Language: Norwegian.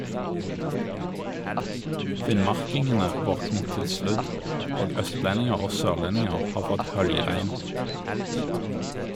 Finnmarkingene våknet til sludd, og østlendinger og sørlendinger har fått høljregn.